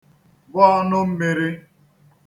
gbụ ọnụ mmiri